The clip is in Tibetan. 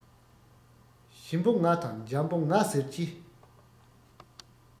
ཞིམ པོ ང དང འཇམ པོ ང ཟེར གྱི